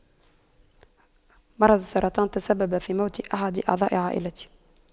مرض السرطان تسبب في موت أحد أعضاء عائلتي